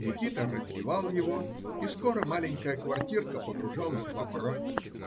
Никита раздевал его, и скоро маленькая квартирка погружалась во мрак